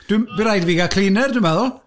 Dwi'n... bydd rhaid i fi gael cleaner dwi'n meddwl!